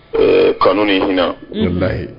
Ɛɛ kanu ni hinɛina ye bila ye